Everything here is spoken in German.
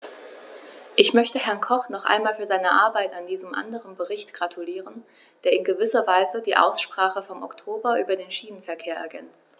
Ich möchte Herrn Koch noch einmal für seine Arbeit an diesem anderen Bericht gratulieren, der in gewisser Weise die Aussprache vom Oktober über den Schienenverkehr ergänzt.